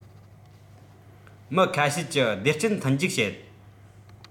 མི ཁ ཤས གྱི བདེ སྐྱིད མཐུན འཇུག བྱེད